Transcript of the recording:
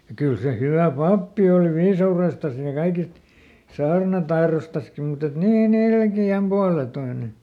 ja kyllä se hyvä pappi oli viisaudestaan ja kaikista saarnataidostakin mutta että niin ilkeän puoletoinen